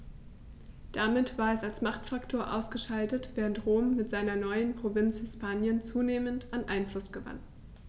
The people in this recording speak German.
Damit war es als Machtfaktor ausgeschaltet, während Rom mit seiner neuen Provinz Hispanien zunehmend an Einfluss gewann.